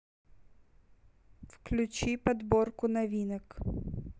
включи подборку новинок